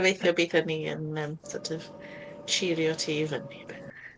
Gobeithio bydd hynny yn, yym, sort of tsirio ti i fyny bach.